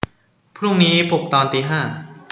พรุ่งนี้ปลุกตอนตีห้า